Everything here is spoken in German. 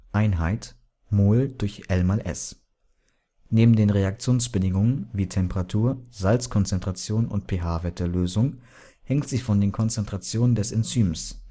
Einheit: mol / (l·s)). Neben den Reaktionsbedingungen wie Temperatur, Salzkonzentration und pH-Wert der Lösung, hängt sie von den Konzentrationen des Enzyms